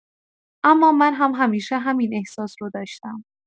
اما من هم همیشه همین احساس رو داشتم.